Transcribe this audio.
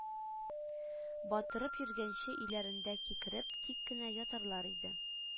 Батырып йөргәнче, өйләрендә кикереп тик кенә ятарлар иде